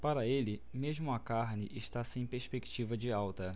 para ele mesmo a carne está sem perspectiva de alta